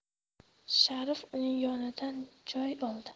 sharif uning yonidan joy oldi